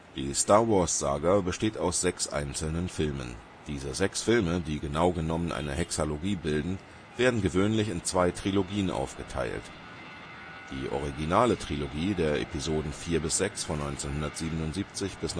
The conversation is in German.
Die Star-Wars-Saga besteht aus sechs einzelnen Filmen. Diese sechs Filme, die genau genommen eine Hexalogie bilden, werden gewöhnlich in zwei Trilogien aufgeteilt: Die originale Trilogie der Episoden IV-VI (zwischen 1977